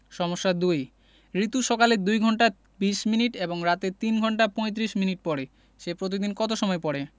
সমস্যা ২ রিতু সকালে ২ ঘন্টা ২০ মিনিট এবং রাতে ৩ ঘণ্টা ৩৫ মিনিট পড়ে সে প্রতিদিন কত সময় পড়ে